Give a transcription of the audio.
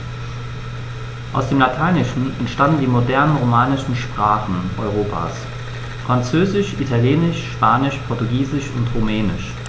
Aus dem Lateinischen entstanden die modernen „romanischen“ Sprachen Europas: Französisch, Italienisch, Spanisch, Portugiesisch und Rumänisch.